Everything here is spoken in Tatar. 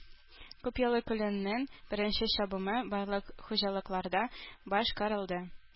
Күпьеллык үләннең беренче чабымы барлык хуҗалыкларда башкарылды